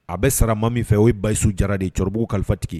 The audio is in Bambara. A bɛ sara ma min fɛ o ye basisu jara de ye cɛkɔrɔba'w kalifatigi